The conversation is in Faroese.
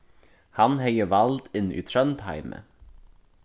hann hevði vald inni í tróndheimi